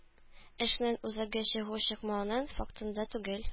Эшнең үзәге чыгу-чыкмауның фактында түгел.